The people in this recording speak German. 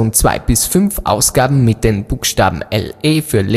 2 bis 5 Ausgaben mit den Buchstaben LE für